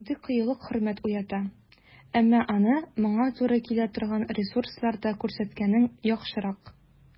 Мондый кыюлык хөрмәт уята, әмма аны моңа туры килә торган ресурсларда күрсәткәнең яхшырак.